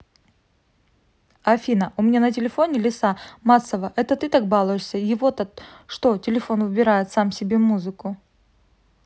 афина у меня на телефоне леса массово это ты так балуешься его то что телефон выбирает сам себе музыку